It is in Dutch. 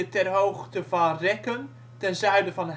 ter hoogte van Rekken ten zuiden van